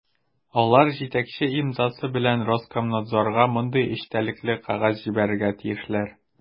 Алар җитәкче имзасы белән Роскомнадзорга мондый эчтәлекле кәгазь җибәрергә тиешләр: